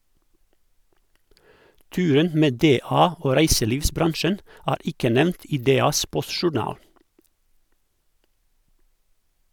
Turen med DA og reiselivsbransjen er ikke nevnt i DAs postjournal.